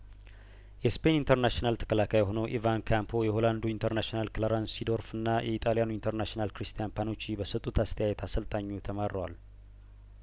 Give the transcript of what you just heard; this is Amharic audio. የስፔን ኢንተርናሽናል ተከላካይ የሆነው ኢቫን ካምፖ የሆላንዱ ኢንተርናሽናል ክላረንስ ሲዶርፍና የኢጣልያኑ ኢንተርናሽናል ክሪስቲያን ፓኑቺ በሰጡት አስተያየት አሰልጣኙ ተማረዋል